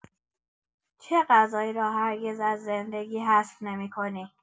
چه غذایی را هرگز از زندگی حذف نمی‌کنی؟